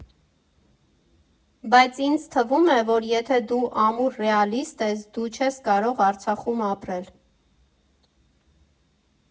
Բայց ինձ թվում է, որ եթե դու ամուր ռեալիստ ես, դու չես կարող Արցախում ապրել։